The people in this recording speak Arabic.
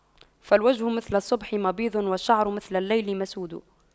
فالوجه مثل الصبح مبيض والشعر مثل الليل مسود